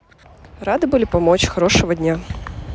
рады были помочь хорошего дня